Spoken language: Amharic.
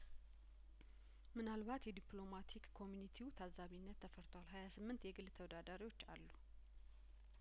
ምናልባት የዲፕሎማቲክ ኮሚኒቲው ታዛቢነት ተፈርቷል ሀያስምንት የግል ተወዳዳሪዎች አሉ